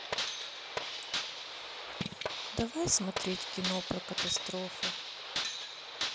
давай смотреть кино про катастрофы